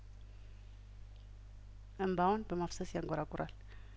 እንባውን በማፍሰስ ያንጐራጉራል